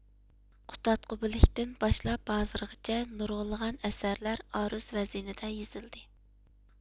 قۇتادغۇبىلىك تىن باشلاپ ھازىرغىچە نۇرغۇنلىغان ئەسەرلەر ئارۇز ۋەزنىدە يېزىلدى